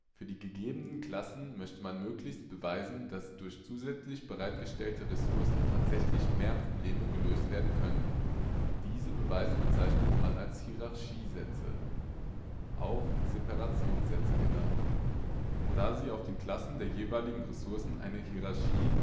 Für die gebildeten Klassen möchte man möglichst beweisen, dass durch zusätzlich bereitgestellte Ressourcen tatsächlich mehr Probleme gelöst werden können. Diese Beweise bezeichnet man als Hierarchiesätze (auch Separationssätze genannt), da sie auf den Klassen der jeweiligen Ressource eine Hierarchie